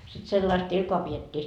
sitten sellaista ilkaa pidettiin